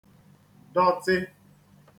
dọtị